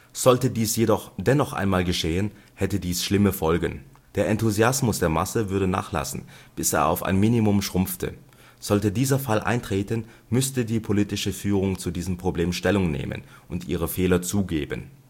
Sollte dies jedoch dennoch einmal geschehen, hätte dies schlimme Folgen. Der Enthusiasmus der Masse würde nachlassen, bis er auf ein Minimum schrumpfte. Sollte dieser Fall eintreten, müsste die politische Führung zu diesem Problem Stellung nehmen und ihre Fehler zugeben